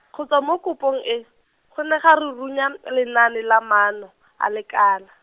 go tswa mo kopong e, go ne ga ru- runya n- lenaane la maano, a lekala.